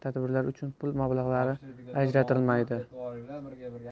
tadbirlar uchun pul mablag'lari ajratilmaydi